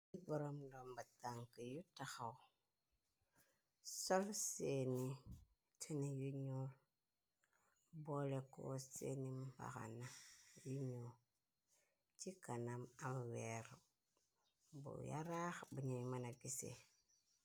Nit boroom ndomba tank yu taxaw, sol seeni tëni yu ñuul, boole ko seeni mbaxana, yu ñu ci kanam am weeru bu yaraax bañuy mëna gise.